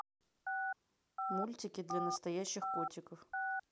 мультики для настоящих котиков